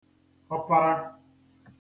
ọpara